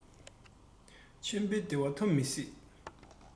ཆེན པོའི བདེ བ ཐོབ མི སྲིད